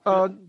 O